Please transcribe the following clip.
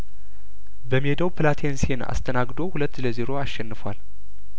በሜዳው ፕላቴንሴን አስተናግዶ ሁለት ለዜሮ አሸንፏል